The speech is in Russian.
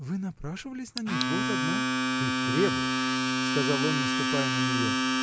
— Вы напрашивались на них: вот одна. — Ты требуешь! — сказал он, наступая на нее.